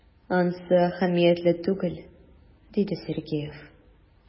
Ансы әһәмиятле түгел,— диде Сергеев.